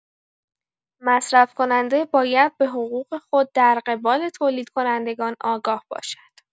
مصرف‌کننده باید به حقوق خود در قبال تولیدکنندگان آگاه باشد.